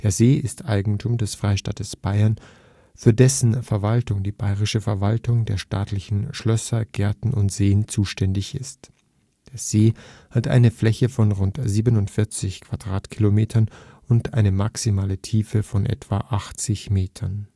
See ist Eigentum des Freistaates Bayern, für dessen Verwaltung die Bayerische Verwaltung der staatlichen Schlösser, Gärten und Seen zuständig ist. Der See hat eine Fläche von rund 47 Quadratkilometern und eine maximale Tiefe von etwa 80 Metern